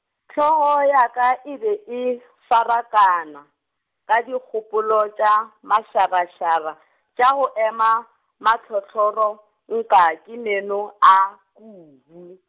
hlogo ya ka e be e farakana, ka dikgopolo tša, mašarašara tša go ema, mahlohloro, nka ke meno a, kubu.